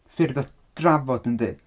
Ffyrdd o drafod yndi?